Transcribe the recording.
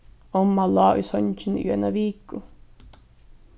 omma lá í songini í eina viku